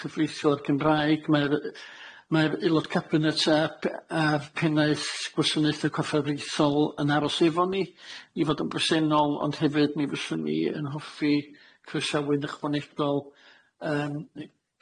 chyfreithiol ar Gymraeg mae'r yy mae'r aelod cabinet a p- a'r pennaeth gwasanaethe corfforaethol yn aros efo ni i fod yn bresennol ond hefyd mi fyswn i yn hoffi croesawy'n ychwanegol yym